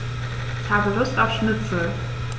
Ich habe Lust auf Schnitzel.